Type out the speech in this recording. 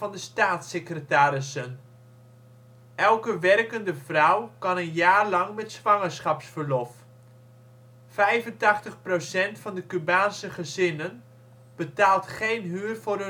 de staatssecretarissen. Elke werkende vrouw kan een jaar lang met zwangerschapsverlof. 85 % van de Cubaanse gezinnen betaalt geen huur voor